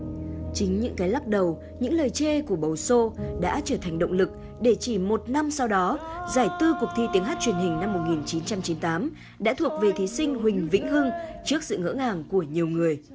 chính những cái lắc đầu những lời chê của bầu sô đã trở thành động lực để chỉ một năm sau đó giải tư cuộc thi tiếng hát truyền hình năm một nghìn chín trăm chín tám đã thuộc về thí sinh huỳnh vĩnh hưng trước sự ngỡ ngàng của nhiều người